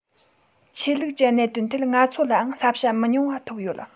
ཆོས ལུགས ཀྱི གནད དོན ཐད ང ཚོ ལའང བསླབ བྱ མི ཉུང བ ཐོབ ཡོད